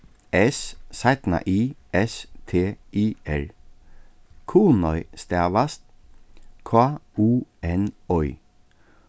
s y s t i r kunoy stavast k u n oy